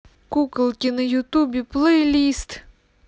куколки на ютубе плейлист